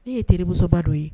Ne ye terimusoba dɔ ye